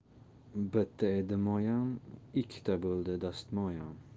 bitta edi moyam ikkita bo'ldi dastmoyam